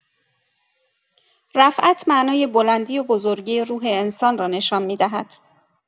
رفعت معنای بلندی و بزرگی روح انسان را نشان می‌دهد.